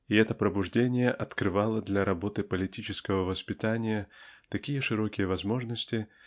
и это пробуждение открывало для работы политического воспитания такие широкие возможности